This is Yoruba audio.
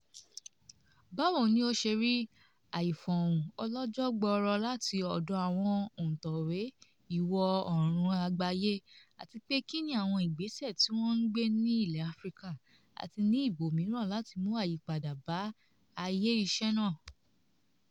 Báwo ni o ṣe rí àìfọhùn ọlọ́jọ́ gbọọrọ láti ọ̀dọ̀ àwọn òǹtẹ̀wé Ìwọ̀-oòrùn àgbáyé, àti pé kínni àwọn ìgbésẹ̀ tí wọ́n ń gbé ní ilẹ̀ Áfíríkà àti ní ibòmíràn láti mú àyípadà bá àyè iṣẹ́ náà?